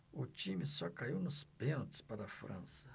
o time só caiu nos pênaltis para a frança